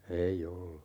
ei ollut